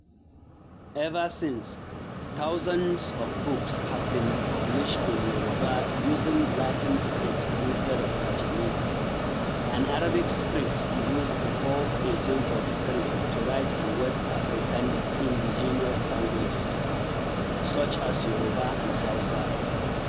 Ever since, thousands of books have been published in Yorùbá using Latin script instead of Ajami, an Arabic script used before 1843 to write in West African Indigenous languages such as Yorùbá and Hausa.